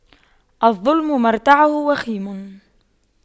الظلم مرتعه وخيم